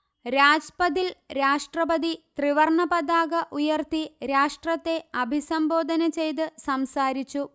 രാജ്പഥിൽ രാഷ്ട്രപതി ത്രിവർണ പതാക ഉയർത്തി രാഷ്ട്രത്തെ അഭിസംബോധന ചെയ്ത് സംസാരിച്ചു